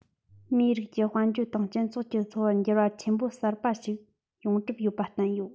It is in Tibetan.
མིའི རིགས ཀྱི དཔལ འབྱོར དང སྤྱི ཚོགས ཀྱི འཚོ བར འགྱུར བ ཆེན པོ གསར པ ཞིག ཡོང གྲབས ཡོད པ བསྟན ཡོད